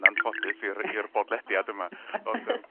...yn anffodus i'r i'r bodlediad yma. Ond yym